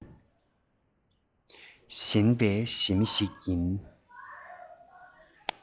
ཞེན པའི ཞི མི ཞིག ཡིན